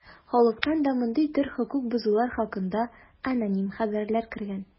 Халыктан да мондый төр хокук бозулар хакында аноним хәбәрләр кергән.